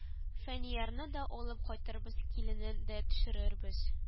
Фәниярны да алып кайтырбыз киленен дә төшерербез